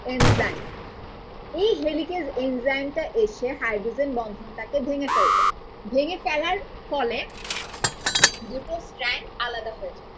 enzyme এই helicase এনজাইমটা এসে হাইড্রোজেন বন্ধন টাকে ভেঙে ফেলবে ভেঙে ফেলার ফলে দুটো স্ট্র্যান্ড আলাদা হয়ে যাবে